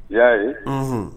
I y'a ye